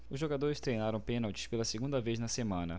os jogadores treinaram pênaltis pela segunda vez na semana